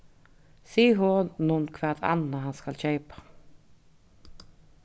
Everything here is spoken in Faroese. sig honum hvat annað hann skal keypa